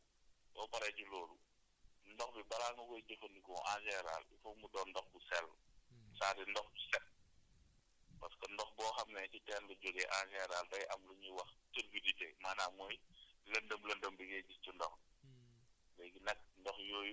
soo soo soo paree ci loolu soo paree ci loolu ndox bi balaa nga koy jëfandikoo en général il foog mu doon ndox bu sell c' est à dire ndox bu setparce que ndox boo xam ne si tee la génnee en général day am lu ñuy wax tubidité maanaam mooy lëndëm lëndëm bi ngay gis ci ndox mi